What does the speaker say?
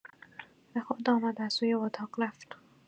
به خود آمد و سوی اطاق رفت.